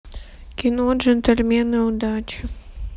кино джентльмены удачи